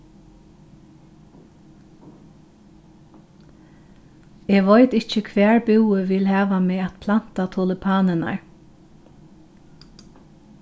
eg veit ikki hvar búi vil hava meg at planta tulipanirnar